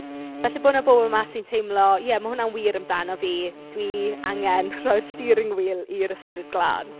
Falle bo' 'na bobl 'ma sy'n teimlo "ie mae hwnna'n wir amdano fi dwi angen rhoi'r steering wheel i'r Ysbryd Glân."